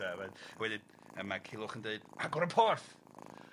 Dy- mae'n ac wedyn a ma' Culhwch yn deud, agor y porth.